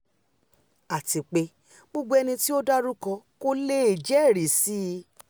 'Àtipe gbogbo ẹnití ó dárúkọ̀ kò leè jẹ́ ẹ̀ri sí i.